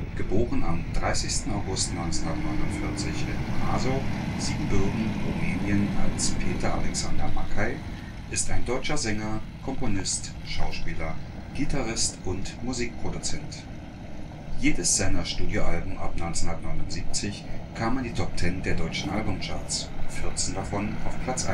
* 30. August 1949 in Brașov, Siebenbürgen, Rumänien als Peter Alexander Makkay) ist ein deutscher Sänger, Komponist, Schauspieler, Gitarrist und Musikproduzent. Jedes seiner Studioalben ab 1979 kam in die Top 10 der deutschen Albumcharts, 14 davon auf Platz